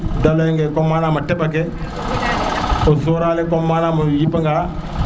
de ley ge comme manam a teɓa ke o sorale manaam o yipa nga